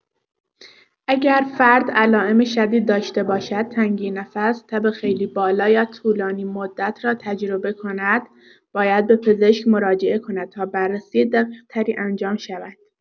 اگر فرد علائم شدید داشته باشد، تنگی نفس، تب خیلی بالا یا طولانی‌مدت را تجربه کند، باید به پزشک مراجعه کند تا بررسی دقیق‌تری انجام شود.